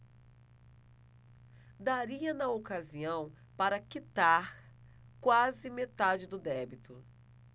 daria na ocasião para quitar quase metade do débito